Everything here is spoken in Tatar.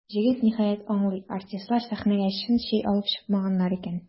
Җегет, ниһаять, аңлый: артистлар сәхнәгә чын чәй алып чыкмаганнар икән.